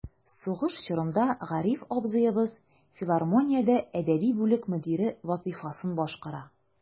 Сугыш чорында Гариф абзыебыз филармониядә әдәби бүлек мөдире вазыйфасын башкара.